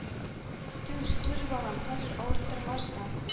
Түз, түз, балам... хәзер... авырттырмас та.